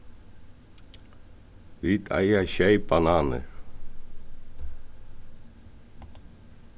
vit eiga sjey bananir